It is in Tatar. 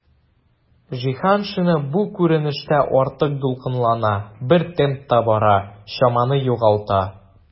Җиһаншина бу күренештә артык дулкынлана, бер темпта бара, чаманы югалта.